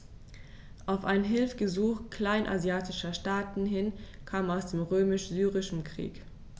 Auf ein Hilfegesuch kleinasiatischer Staaten hin kam es zum Römisch-Syrischen Krieg.